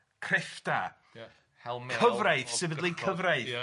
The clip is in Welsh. Creffta. Ia. Helmed... Cyfraith sefydlu cyfraith ia.